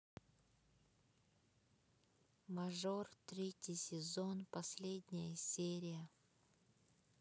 мажор третий сезон последняя серия